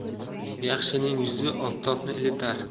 yaxshining yuzi oftobni ilitar